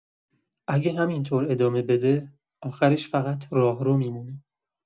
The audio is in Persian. اگه همین‌طور ادامه بده، آخرش فقط راهرو می‌مونه.